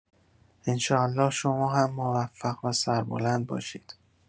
ان‌شاءالله شما هم موفق و سربلند باشید.